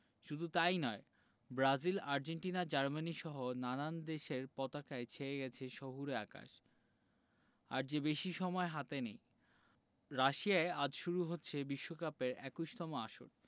শুধু তা ই নয় ব্রাজিল আর্জেন্টিনা জার্মানিসহ নানান দেশের পতাকায় ছেয়ে গেছে শহুরে আকাশ আর যে বেশি সময় হাতে নেই রাশিয়ায় আজ শুরু হচ্ছে বিশ্বকাপের ২১তম আসর